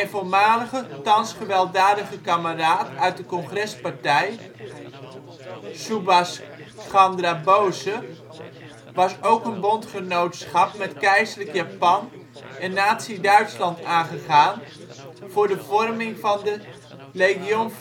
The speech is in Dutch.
voormalige, thans gewelddadige kameraad uit de Congrespartij, Subhas Chandra Bose, was ook een bondgenootschap met keizerlijk Japan en nazi-Duitsland aangegaan voor de vorming van de Legion